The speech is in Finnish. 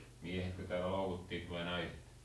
miehetkö täällä loukuttivat vai naiset